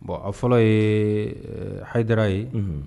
Bon a fɔlɔ ye hadira ye